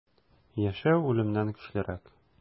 Яшәү үлемнән көчлерәк.